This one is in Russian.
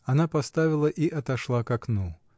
Она поставила и отошла к окну.